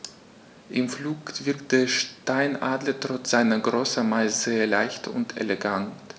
Im Flug wirkt der Steinadler trotz seiner Größe meist sehr leicht und elegant.